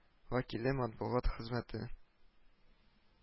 Вәкиле матбугат хезмәте